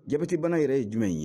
Jabatibana yɛrɛ ye jumɛn ye